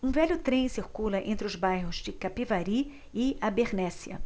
um velho trem circula entre os bairros de capivari e abernéssia